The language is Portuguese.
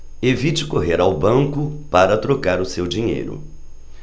evite correr ao banco para trocar o seu dinheiro